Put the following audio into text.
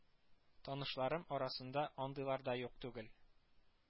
Танышларым арасында андыйлар да юк түгел